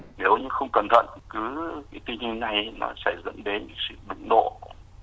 nếu như không cẩn thận cứ cái tình trạng này nó sẽ dẫn đến sự đụng độ